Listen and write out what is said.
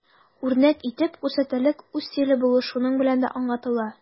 Үрнәк итеп күрсәтерлек үз стиле булу шуның белән дә аңлатыла.